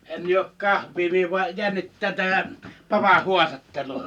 en juo kahvia minä vain jännittää tämä papan haastattelu